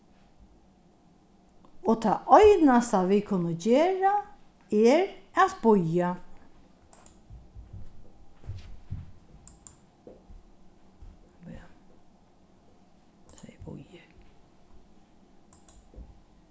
og tað einasta vit kunnu gera er at bíða